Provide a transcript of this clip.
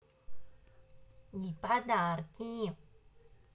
и и подарки